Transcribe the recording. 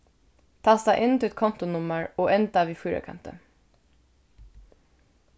tasta inn títt kontunummar og enda við fýrakanti